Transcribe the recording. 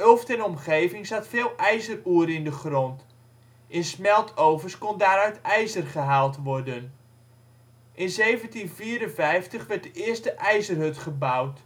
Ulft en omgeving zat veel ijzeroer in de grond. In smeltovens kon daaruit ijzer gehaald worden. In 1754 werd de eerste ijzerhut gebouwd.